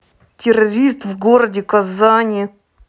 террорист в городе казани